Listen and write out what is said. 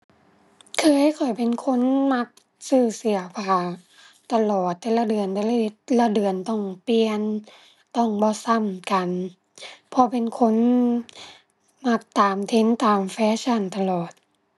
เคย ข้อยเป็นคนมักซื้อเสื้อผ้าตลอด แต่ละเดือน แต่ละเดือนต้องเปลี่ยน ต้องบ่ซ้ำกัน เพราะเป็นคนมักตามเทรนด์ ตามแฟชั่นตลอด